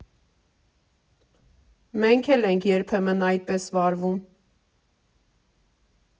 Մենք էլ ենք երբեմն այդպես վարվում։